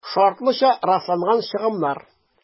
«шартлыча расланган чыгымнар»